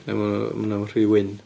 Neu ma- ma' nhw'n rhy wyn.